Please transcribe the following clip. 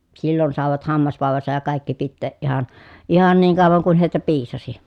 silloin saivat hammasvaivansa ja kaikki pitää ihan ihan niin kauan kuin heitä piisasi